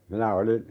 minä olin